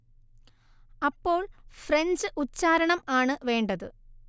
അപ്പോൾ ഫ്രഞ്ച് ഉച്ചാരണം ആണ് വേണ്ടത്